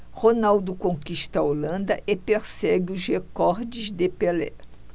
ronaldo conquista a holanda e persegue os recordes de pelé